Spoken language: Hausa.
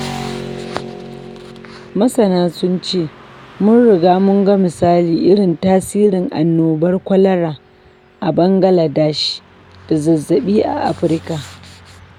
Masana sun ce, mun riga mun ga misalin irin tasirin annobar kwalara a Bangaladsh da zazzaɓi a Afirka.